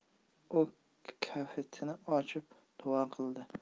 u kaftini ochib duo qildi